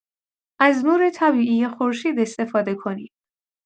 از نور طبیعی خورشید استفاده کنید.